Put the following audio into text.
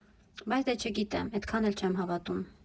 Բայց դե չգիտեմ, էդքան էլ չեմ հավատում։